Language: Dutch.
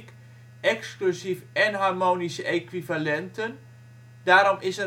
enharmonische equivalenten Daarom is